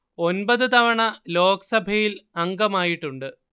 ഒമ്പത് തവണ ലോക് സഭയിൽ അംഗമായിട്ടുണ്ട്